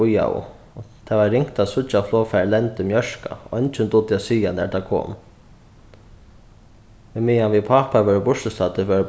bíðaðu tað var ringt at síggja flogfarið lenda í mjørka eingin dugdi at siga nær tað kom ímeðan vit pápar vóru burturstaddir vóru